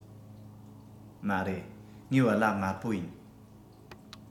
མ རེད ངའི བལ ལྭ དམར པོ ཡིན